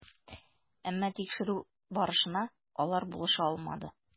Әмма тикшерү барышына алар булыша алмады.